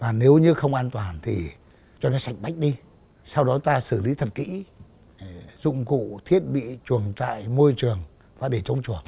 và nếu như không an toàn thì cho nó sạch bách đi sau đó ta xử lý thật kỹ dụng cụ thiết bị chuồng trại môi trường phải để trống chuồng